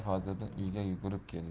fazliddin uyiga yugurib keldi